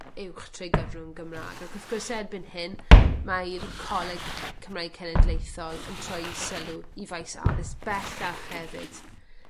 uwch trwy gyfrwng Gymra'g ac wrth gwrs erbyn hyn mae'r Coleg Cymraeg Cenedlaethol yn troi 'i sylw i faes addysg bellach hefyd